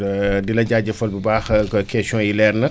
di la jaajëfal bu baax donc questions yi leer na